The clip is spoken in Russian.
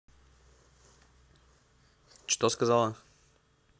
что сказала